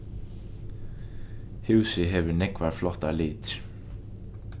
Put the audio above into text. húsið hevur nógvar flottar litir